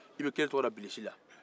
i bɛ kelen tɔgɔ da bilisi la